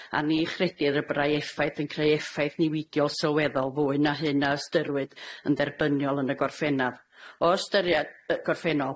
A ni chredir y byrai effaith yn creu effaith niweidiol sylweddol fwy na hyn a ystyriwyd yn dderbyniol yn y gorffennaf. O ystyriad- y gorffennol.